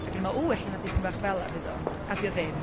Ac on i'n meddwl, ww ella na dipyn bach fel ’na fydd o. A 'di o ddim.